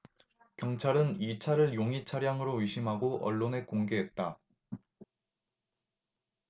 경찰은 이 차를 용의 차량으로 의심하고 언론에 공개했다